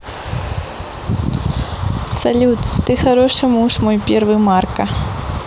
салют ты хороший муж мой первый марка